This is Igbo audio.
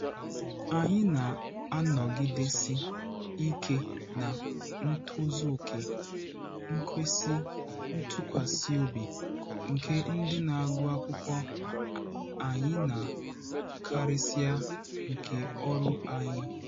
"Anyị na-anọgidesi ike na ntozuoke nkwesị ntụkwasị obi nke ndị na-agụ akwụkwọ anyị na karịsịa nke ọrụ anyị.